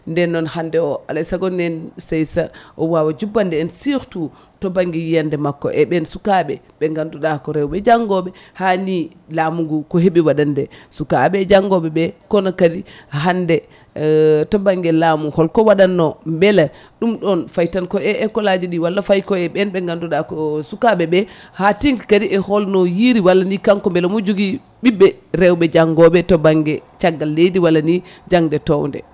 nden noon hande o alay saago nden Seysa o wawa jubbande en sutout to banggue yiyande makko e ɓen sukaɓe ɓe ganduɗa ko rewɓe janggoɓe hani laamu ngu ko heeɓi waɗande sukaɓe janggoɓe ɓe kono kadi hande to banggue laamu holko waɗanno beela ɗum ɗon fayi tan ko e école aji ɗi walla fayi tan koye ɓen ɓe ganduɗa ko sukaɓeɓe ha tengti kadi e holno yiiri ni walla ni kanko beele omo jogui ɓiɓɓe rewɓe janggoɓe to banggue caggal leydi walla ni jangde towde